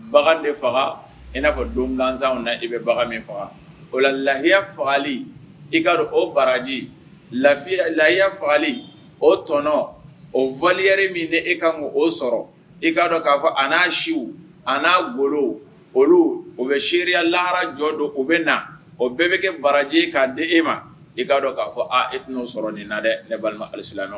Bagan de faga i n'a fɔ don ganw na i bɛ bagan min faga o layiya fagali i'a dɔn o baraji lafiya layiya fagali o tɔnɔ o vlire min e ka o sɔrɔ i k'a dɔn k'a fɔ a n'a siw a n'a golo olu o bɛ seya lara jɔ don u bɛ na o bɛɛ bɛ kɛ baraji k'a di e ma e'a dɔn k'a fɔ eto sɔrɔ nin na dɛ ne balima alisi